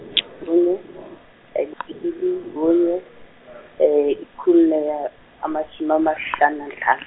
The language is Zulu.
kunye, kubili kunye, ikhulu ashumi amahlanu nanhlanu.